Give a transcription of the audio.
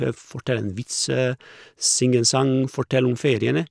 Fortell en vits, Syng en sang, Fortell om feriene.